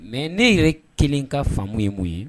Mɛ ne yɛrɛ kelen ka faamu ye mun ye